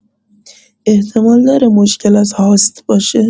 احتمال داره مشکل از هاست باشه؟